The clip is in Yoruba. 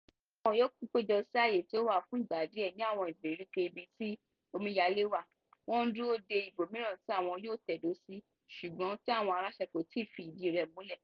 Àwọn yòókù péjò sí àyè tí ó wà fún ìgbà díẹ̀ ní àwọn ìgbèríko ibi tí omíyalé wà, wọ́n ń dúró de ibòmíràn tí wọn yóò tèdó sí ṣùgbọ́n tí àwọn aláṣẹ kò tíì fi ìdí rẹ̀ múlẹ̀.